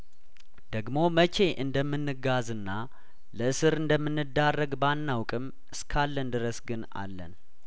ደግሞ መቼ እንደምንጋዝ እና ለእስር እንደምንዳረግ ባናውቅም እስካለን ድረስ ግን አለን